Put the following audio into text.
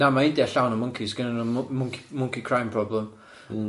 Na ma' India llawn o mwncis gynnon nw mw- mwnci- mwnci crime problem m-hm.